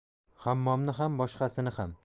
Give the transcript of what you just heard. hammomni ham boshqasini ham